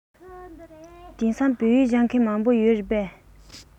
དེང སང བོད ཡིག སྦྱོང མཁན མང པོ ཡོད རེད པས